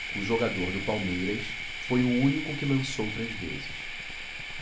o jogador do palmeiras foi o único que lançou três vezes